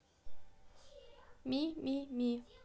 ми ми ми